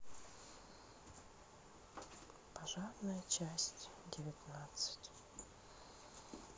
пожарная часть девятнадцать